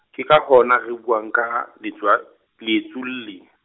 ke ka hona re buang ka leetswa-, leetsolli.